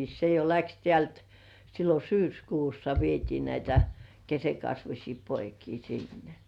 se jo lähti täältä silloin syyskuussa vietiin näitä keskenkasvuisia poikia sinne